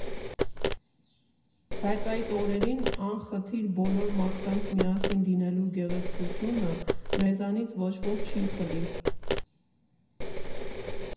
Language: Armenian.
Բայց այդ օրերին անխտիր բոլոր մարդկանց միասին լինելու գեղեցկությունը մեզանից ոչ ոք չի խլի։